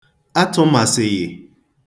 atụ̄màsị̀ghị̀